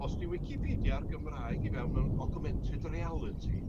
os di wicipedia ar Gymraeg i fewn mewn augmented reality